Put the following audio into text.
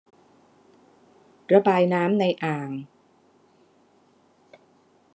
ระบายน้ำในอ่าง